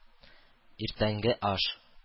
Иртәнге аш